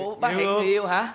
ủa bác hẹn người yêu hả